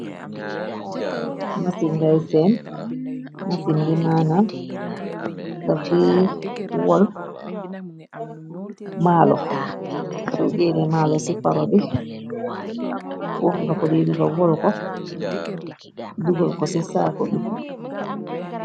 Machine ngay seem machine bi maanaam daf dee wol maalox su genee malox ci faaro bi fofu nga ko de dogal wolu ko dugal ko ci saaku bi.